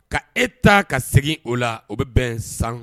Ka e ta ka segin o la o bɛ bɛn san